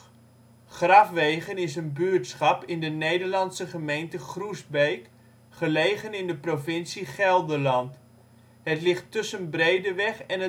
Grafwegen is een buurtschap in de Nederlandse gemeente Groesbeek, gelegen in de provincie Gelderland. Het ligt tussen Breedeweg en